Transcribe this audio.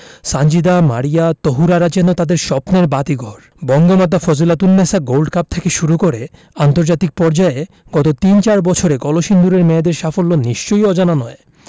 সানজিদা মারিয়া তহুরারা যেন তাদের স্বপ্নের বাতিঘর বঙ্গমাতা ফজিলাতুন্নেছা গোল্ড কাপ থেকে শুরু করে আন্তর্জাতিক পর্যায়ে গত তিন চার বছরে কলসিন্দুরের মেয়েদের সাফল্য নিশ্চয়ই অজানা নয়